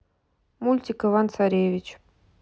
мультик иван царевич